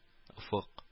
Офык